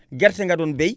gerte nga doon bay